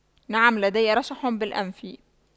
نعم لدي رشح بالأنف